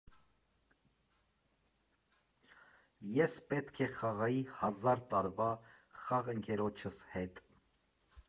Ես պետք է խաղայի հազար տարվա խաղընկերոջս հետ։